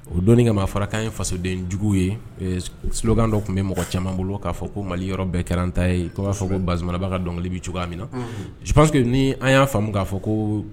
O donin kama a fɔla k'an ye fasodenjugu ye slogant de tun bɛ mɔgɔ caaman bolo k'a fɔ ko Mali bɛɛ kɛrɛ an ta i b'a fɔ ko Bazumanaba ka dɔnkili bɛ cogoya min na ni an y'a faamumu k'a fɔ ko